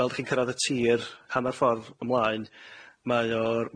fel 'dach chi'n cyrradd y tir hannar ffordd ymlaen mae o'r